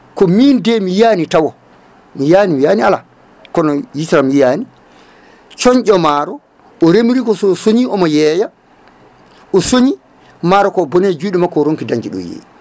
komin de mi yiyani taw mi yiyani mi wiyani ala kono hiteram yihani cooñƴo maaro o remri ko soñi omo yeeya o sooñi maaro ko boone juuɗe makko o ronki dañde ɗo yeeyi